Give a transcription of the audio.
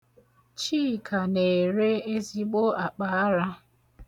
Chika na-ere ezigbo akpaara.